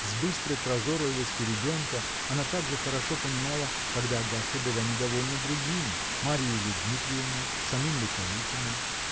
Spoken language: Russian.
с быстрой прозорливостью ребенка она так же хорошо понимала, когда Агафья была недовольна другими -- Марьей ли Дмитриевной, самим ли Калитиным.